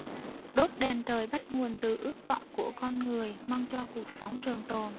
đốt đèn trời bắt nguồn từ ước vọng của con người mong cho cuộc sống trường tồn